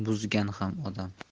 buzgan ham odam